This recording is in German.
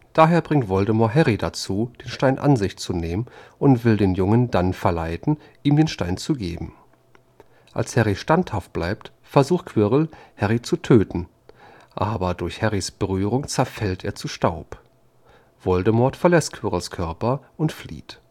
Daher bringt Voldemort Harry dazu, den Stein an sich zu nehmen, und will den Jungen dann verleiten, ihm den Stein zu geben. Als Harry standhaft bleibt, versucht Quirrell, Harry zu töten, aber durch Harrys Berührung zerfällt er zu Staub. Voldemort verlässt Quirrells Körper und flieht